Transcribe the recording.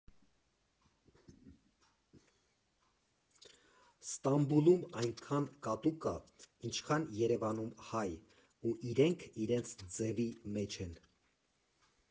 Ստամբուլում այնքան կատու կա, ինչքան Երևանում՝ հայ, ու իրենք իրենց ձևի մեջ են.